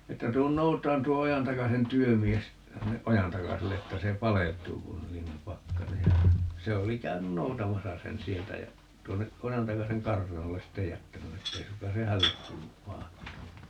että tule noutamaan tuo Ojantakasen työmies sinne Ojantakaselle että se paleltuu kun niin on pakkanen ja se oli käynyt noutamassa sen sieltä ja tuonne Ojantakasen kartanolle sitten jättänyt että ei suinkaan se hänelle kuulu vahdata